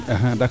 axa d' accord